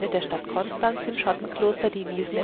der Stadt Konstanz dem Schottenkloster die Wiesen